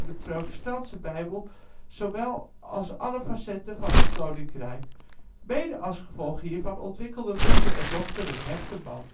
protestantse bijbel zowel als alle facetten van het koninkrijk. Mede als gevolg hiervan ontwikkelden moeder en dochter een hechte band